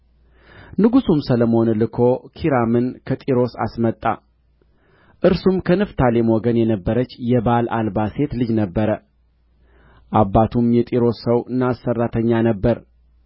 ንጉሡም ሰሎሞን ልኮ ኪራምን ከጢሮስ አስመጣ እርሱም ከንፍታሌም ወገን የነበረች የባል አልባ ሴት ልጅ ነበረ አባቱም የጢሮስ ሰው ናስ ሠራተኛ ነበረ